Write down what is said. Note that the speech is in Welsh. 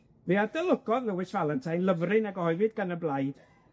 Mi adolygodd Lewis Valentine lyfryn a gyhoeddwyd gan y blaid